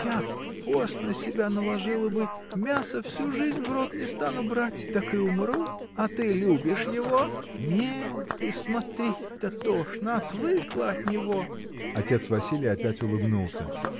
— Я пост на себя наложила бы: мяса всю жизнь в рот не стану брать, так и умру. — А ты любишь его? — Нет, и смотреть-то тошно! отвыкла от него. Отец Василий опять улыбнулся.